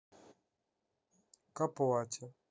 к оплате